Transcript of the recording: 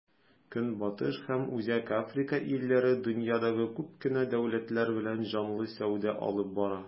Көнбатыш һәм Үзәк Африка илләре дөньядагы күп кенә дәүләтләр белән җанлы сәүдә алып бара.